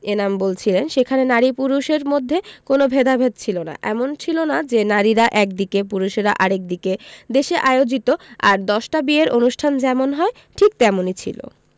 এনাম বলছিলেন সেখানে নারী পুরুষের মধ্যে কোনো ভেদাভেদ ছিল না এমন ছিল না যে নারীরা একদিকে পুরুষেরা আরেক দিকে দেশে আয়োজিত আর দশটা বিয়ের অনুষ্ঠান যেমন হয় ঠিক তেমনি ছিল